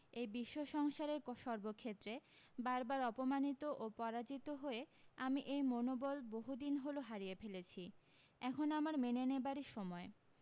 এই বিশ্ব সংসারের সর্বক্ষেত্রে বার বার অপমানিত ও পরাজিত হয়ে আমি এই মনোবল বহুদিন হলো হারিয়ে ফেলেছি এখন আমার মেনে নেবারই সময়